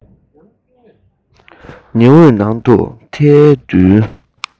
ཉི འོད ནང དུ ཐལ རྡུལ